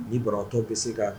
Ni bɔntɔ bɛ se kan